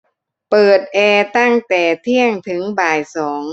เปิดแอร์ตั้งแต่เที่ยงถึงบ่ายสอง